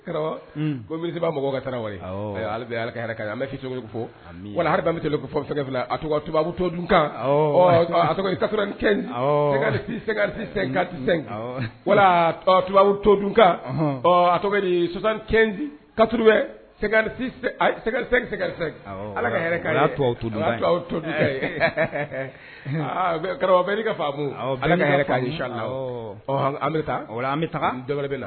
Bili wala bɛ sɛgɛfɛ tubu to dunkan nig kati wala tubabu todkan atori sonsandito sɛgɛgsɛgsɛ ala tuto karamɔgɔ bɛ ka fa ala ka' la ɔ an bɛ an bɛ taa la